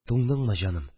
Туңдыңмы, җаным